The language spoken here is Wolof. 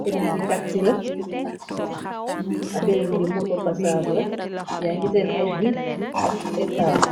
beneen bi taxi la ab beneen bi moto pasaag la yaa ngi seen ay guy ak etaas.